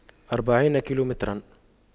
أربعين كيلومترا